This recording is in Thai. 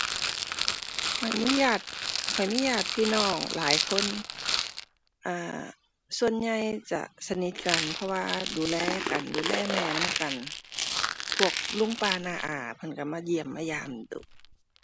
ข้อยมีญาติ ข้อยมีญาติพี่น้องหลายคน อ่า ส่วนใหญ่จะสนิทกัน เพราะว่าดูแลกัน ดูแลแม่นำกัน พวกลุง ป้า น้า อา เพิ่นก็มาเยี่ยมมายามดู๋